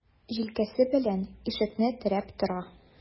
Җилкәсе белән ишекне терәп тора.